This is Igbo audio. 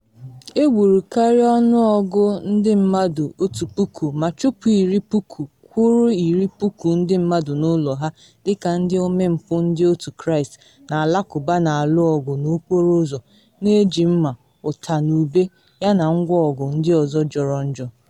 Egburu karịa ọnụọgụ ndị mmadụ 1,000 ma chụpụ iri puku kwụrụ iri puku ndị mmadụ n’ụlọ ha dị ka ndị omempụ Ndị Otu Kraịst na Alakụba na alụ ọgụ n’okporo ụzọ, na eji mma, ụta na ube, yana ngwa-ọgụ ndị ọzọ jọrọ njọ.